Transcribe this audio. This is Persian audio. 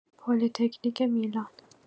پلی‌تکنیک میلان